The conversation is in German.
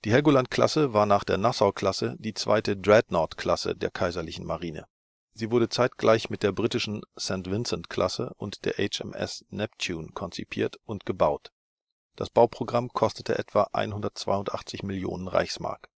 Helgoland-Klasse war nach der Nassau-Klasse die zweite Dreadnought-Klasse der Kaiserlichen Marine. Sie wurde zeitgleich mit der britischen St. Vincent-Klasse und der HMS Neptune konzipiert und gebaut. Das Bauprogramm kostete etwa 182 Millionen Reichsmark